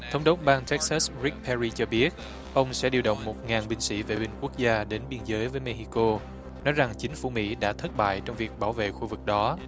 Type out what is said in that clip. thống đốc bang tếch xát rích pe ri cho biết ông sẽ điều động một ngàn binh sĩ vệ binh quốc gia đến biên giới với mê hi cô nói rằng chính phủ mỹ đã thất bại trong việc bảo vệ khu vực đó